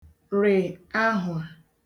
rị̀ ahụà